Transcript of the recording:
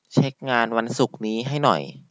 เช็คงานวันศุกร์นี้ให้หน่อย